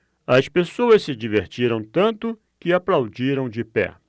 as pessoas se divertiram tanto que aplaudiram de pé